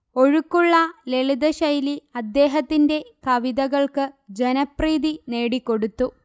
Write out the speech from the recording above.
ഒഴുക്കുള്ള ലളിതശൈലി അദ്ദേഹത്തിന്റെ കവിതകൾക്ക് ജനപ്രീതി നേടിക്കൊടുത്തു